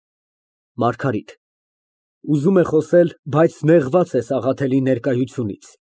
ՄԱՐԳԱՐԻՏ ֊ (Ուզում է խոսել, բայց նեղված է Սաղաթելի ներկայությունից)